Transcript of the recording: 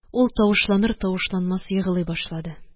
Ул тавышланыр-тавышланмас еглый башлады.